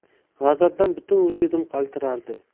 g'azabdan butun vujudim qaltirardi